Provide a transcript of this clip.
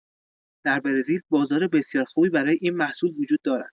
در برزیل بازار بسیار خوبی برای این محصول وجود دارد.